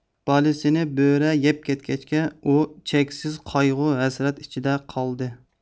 بالىسىنى بۆرە يەپ كەتكەچكە ئۇچەكسىز قايغۇ ھەسرەت ئىچىدە قالدى